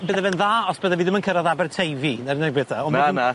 Bydde fe'n dda os bydde fi ddim yn cyrradd Aberteifi na'r unig beth 'na on'... Na na.